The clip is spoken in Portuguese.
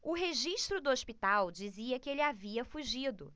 o registro do hospital dizia que ele havia fugido